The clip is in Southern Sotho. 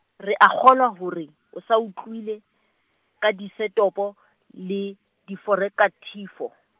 re a kgolwa hore o sa utlwile, ka disetopo, le diforekathifo.